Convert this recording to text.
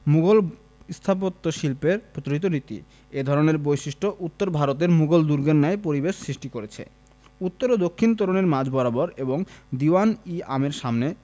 মুগল স্থাপত্য শিল্পের প্রচলিত রীতি এ ধরনের বৈশিষ্ট্য উত্তর ভারতের মুগল দুর্গের ন্যায় পরিবেশ সৃষ্টি করেছে উত্তর ও দক্ষিণ তোরণের মাঝ বরাবর এবং দীউয়ান ই আমের সামনে